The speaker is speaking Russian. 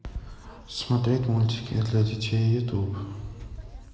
смотреть мультики для детей ютуб